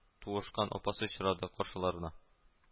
Туышкан апасы очрады каршыларына